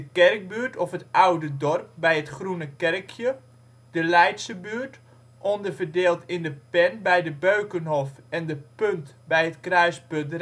Kerkbuurt of het Oude Dorp (bij het Groene Kerkje), de Leidse Buurt, onderverdeeld in de Pen (bij de Beukenhof) en de Punt (bij het kruispunt Rhijngeesterstraatweg/Geversstraat